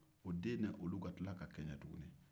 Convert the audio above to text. o den ni olu ka tila ka kɛɲɛ tuguni